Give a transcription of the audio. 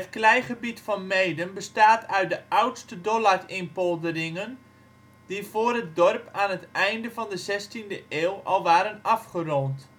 kleigebied van Meeden bestaat uit de oudste Dollardinpolderingen die voor het dorp aan het einde van de zestiende eeuw al waren afgerond